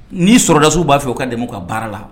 N'i sɔrɔdasiww b'a fɛ u ka dɛmɛmu ka baara la